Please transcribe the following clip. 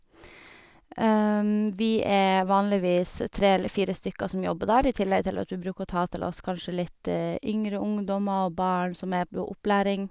Vi er vanligvis tre eller fire stykker som jobber der, i tillegg til at vi bruker å ta til oss kanskje litt yngre undommer og barn som er bli opplæring.